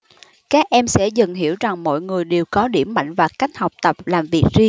các em sẽ dần hiểu rằng mỗi người đều có điểm mạnh và cách học tập làm việc riêng